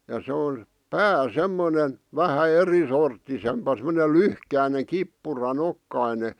ja se on pää semmoinen vähän erisorttisempi semmoinen lyhkäinen kippuranokkainen